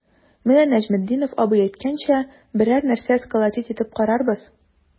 Менә Нәҗметдинов абый әйткәнчә, берәр нәрсә сколотить итеп карарбыз.